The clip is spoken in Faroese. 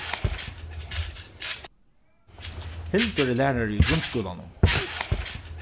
hildur er lærari í grundskúlanum